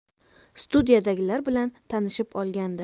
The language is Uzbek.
studiyadagilar bilan tanishib olgandi